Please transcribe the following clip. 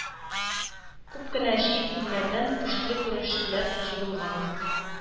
Күп кенә чит илләрдән көчле көрәшчеләр җыелган.